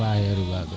faxeru